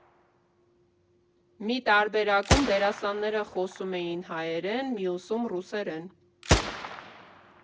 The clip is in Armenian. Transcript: Մի տարբերակում դերասանները խոսում էին հայերեն, մյուսում՝ ռուսերեն։